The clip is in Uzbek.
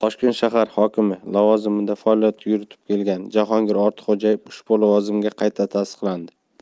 toshkent shahar hokimi lavozimida faoliyat yuritib kelgan jahongir ortiqxo'jayev ushbu lavozimga qayta tasdiqlandi